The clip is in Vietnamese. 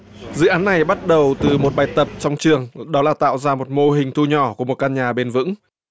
dự án này bắt đầu từ một bài tập trong trường đó là tạo ra một mô hình thu nhỏ của một căn nhà bền vững